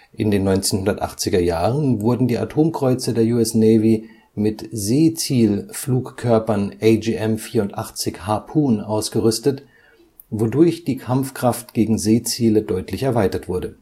In den 1980er Jahren wurden die Atomkreuzer der US Navy mit Seezielflugkörpern AGM-84 Harpoon ausgerüstet, wodurch die Kampfkraft gegen Seeziele deutlich erweitert wurde